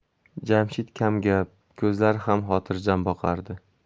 jamshid kamgap ko'zlari ham xotirjam boqardi